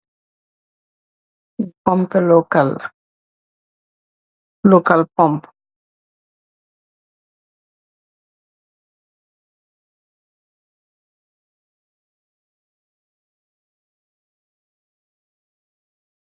Pump beeh local, local pump .